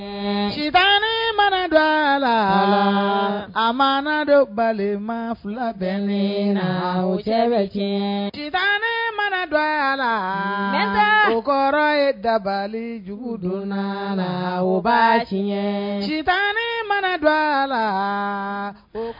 Ta mana don a la a ma don bali ma fila bɛ ne na o cɛ bɛ kɛta mana don a la den saba kɔrɔ ye dabali jugu donna la o b'ata mana don a la